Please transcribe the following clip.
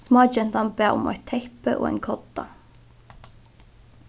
smágentan bað um eitt teppi og ein kodda